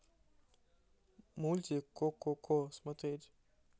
мультик ко ко ко смотреть